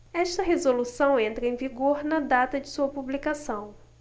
esta resolução entra em vigor na data de sua publicação